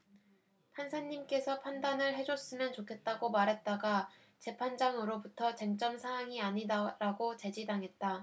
판사님께서 판단을 해줬으면 좋겠다고 말했다가 재판장으로부터 쟁점 사항이 아니다라고 제지당했다